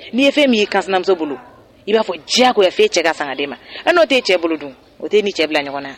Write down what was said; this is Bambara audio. Ni ye fɛn min ye i kan sinamuso bolo i ba fɔ jagoya fo e cɛ ka san ka de ma . No tɛ e cɛ bolo dun? O tɛ e nin cɛ bila ɲɔgɔn na?